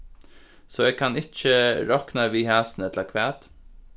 so eg kann ikki rokna við hasum ella hvat